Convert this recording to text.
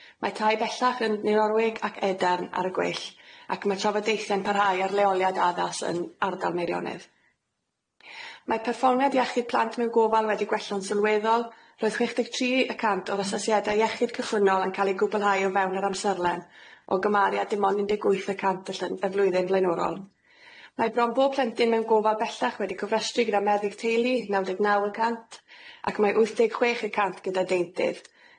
Mae tai bellach yn Ninorwig ac Edern ar y gwyll, ac ma' trafodaethau'n parhau ar leoliad addas yn ardal Meirionnydd. Mae perfformiad iechyd plant mewn gofal wedi gwella'n sylweddol, roedd chwech deg tri y cant o'r asesiadau iechyd cychwynnol yn cael eu gwblhau o fewn yr amserlen, o gymharu â dim ond un deg wyth y cant y llyn- y flwyddyn flaenorol. Mae bron bob plentyn mewn gofal bellach wedi cofrestru gyda meddyg teulu, naw deg naw y cant, ac mae wyth deg chwech y cant gyda deintydd.